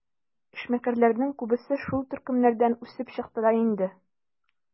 Эшмәкәрләрнең күбесе шул төркемнәрдән үсеп чыкты да инде.